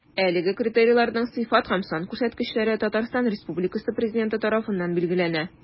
Әлеге критерийларның сыйфат һәм сан күрсәткечләре Татарстан Республикасы Президенты тарафыннан билгеләнә.